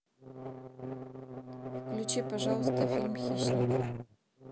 включи пожалуйста фильм хищник